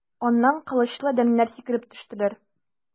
Аннан кылычлы адәмнәр сикереп төштеләр.